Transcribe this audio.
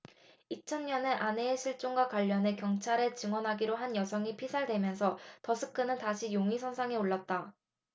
이천 년엔 아내의 실종과 관련해 경찰에 증언하기로 한 여성이 피살되면서 더스트는 다시 용의선상에 올랐다